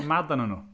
Mad arnyn nhw.